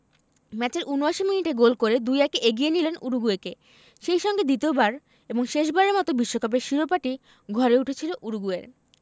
ম্যাচের ৭৯ মিনিটে গোল করে ২ ১ এ এগিয়ে নিলেন উরুগুয়েকে সেই সঙ্গে দ্বিতীয়বার এবং শেষবারের মতো বিশ্বকাপের শিরোপাটি ঘরে উঠেছিল উরুগুয়ের